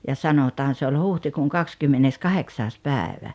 ja sanotaan se oli huhtikuun kahdeskymmenneskahdeksas päivä